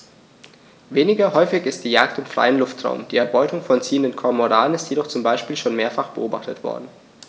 Weniger häufig ist die Jagd im freien Luftraum; die Erbeutung von ziehenden Kormoranen ist jedoch zum Beispiel schon mehrfach beobachtet worden.